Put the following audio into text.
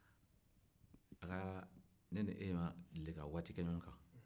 aa ne ni e ma deli ka waati kɛ ɲɔgɔn kan